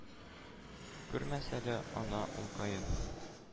Күрмәсә дә, ана улкаен